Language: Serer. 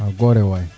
waa goore waay